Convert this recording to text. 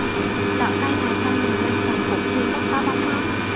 loại cây này sau mười năm trồng cũng chưa chắc có bóng mát